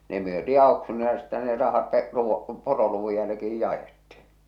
ne myytiin auksuunilla ja sittenhän ne rahat te - poroluvun jälkeen jaettiin